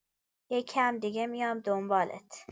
یکم دیگه میام دنبالت.